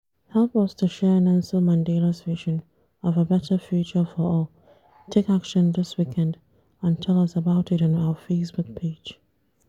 Help us to share Nelson Mandela’s vision of a better future for all, take action this weekend, and tell us about it on our Facebook Page.